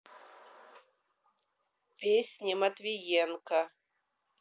песни матвиенко